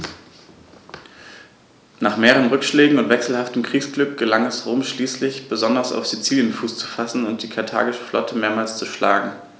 Nach mehreren Rückschlägen und wechselhaftem Kriegsglück gelang es Rom schließlich, besonders auf Sizilien Fuß zu fassen und die karthagische Flotte mehrmals zu schlagen.